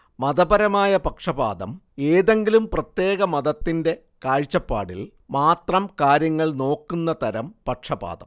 മതപരമായ പക്ഷപാതം ഏതെങ്കിലും പ്രത്യേക മതത്തിന്റെ കാഴ്ചപ്പാടില് മാത്രം കാര്യങ്ങള്‍ നോക്കുന്ന തരം പക്ഷപാതം